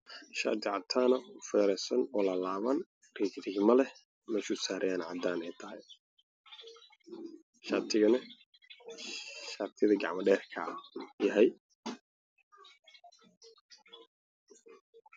Meeshan maxaa yeelay shaati laalaaban oo caddaan ah waxaa ku dhagan kartoon meesha u yaalla waa caddaan